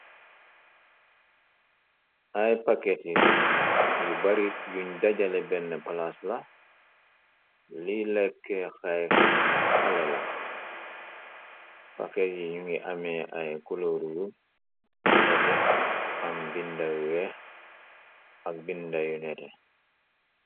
Ay paket yu bari, yuñ dajale benn palaas la, li lekk xale la, paket yi ñu ngi amee ay kulóoru yu nete, am bindayu wee, ak binda yu nete.